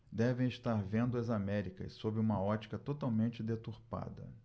devem estar vendo as américas sob uma ótica totalmente deturpada